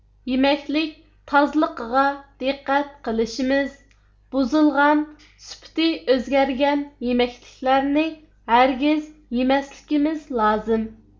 يېمەكلىك تازىلقىغا دىققەت قىلىشىمىز بۇزۇلغان سۈپىتى ئۆزگەرگەن يېمەكلىكلەرنى ھەرگىز يېمەسلىكىمىز لازىم